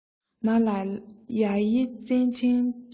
མ ལ ཡ ཡི ཙན དན དྲི